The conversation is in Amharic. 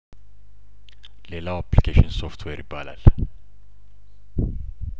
ሌላው አፕሊ ኬሽን ሶፍትዌር ይባላል